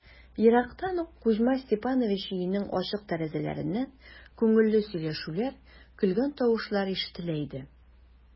Ерактан ук Кузьма Степанович өенең ачык тәрәзәләреннән күңелле сөйләшүләр, көлгән тавышлар ишетелә иде.